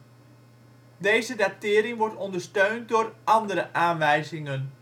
Deze datering wordt ondersteund door andere aanwijzingen